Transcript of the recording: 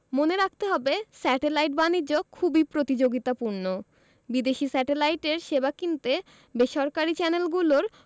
মনে রাখতে হবে স্যাটেলাইট বাণিজ্য খুবই প্রতিযোগিতাপূর্ণ বিদেশি স্যাটেলাইটের সেবা কিনতে বেসরকারি চ্যানেলগুলোর